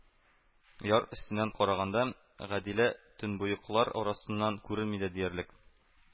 Яр өстеннән караганда Гадилә төнбоеклар арасыннан күренми дә диярлек